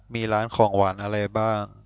มีร้านของหวานอะไรบ้าง